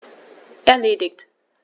Erledigt.